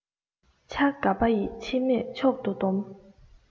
ཆ ག པ ཡི ཕྱེ མས མཆོག ཏུ སྡོམ